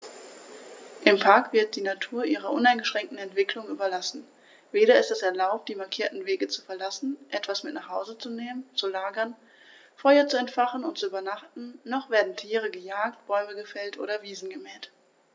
Im Park wird die Natur ihrer uneingeschränkten Entwicklung überlassen; weder ist es erlaubt, die markierten Wege zu verlassen, etwas mit nach Hause zu nehmen, zu lagern, Feuer zu entfachen und zu übernachten, noch werden Tiere gejagt, Bäume gefällt oder Wiesen gemäht.